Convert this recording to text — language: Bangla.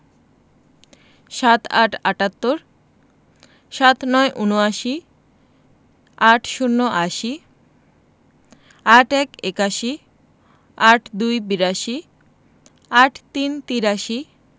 ৭৮ আটাত্তর ৭৯ উনআশি ৮০ আশি ৮১ একাশি ৮২ বিরাশি ৮৩ তিরাশি